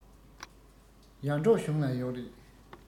ཡར འབྲོག གཞུང ལ ཡོག རེད